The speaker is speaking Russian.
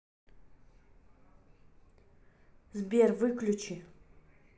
сбер выключи